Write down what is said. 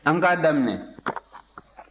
an k'a daminɛ